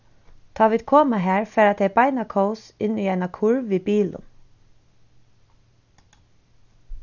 tá vit koma har fara tey beina kós inn í eina kurv við bilum